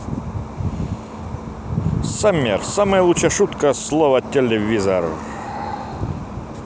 summer самая лучшая шутка слово телевизор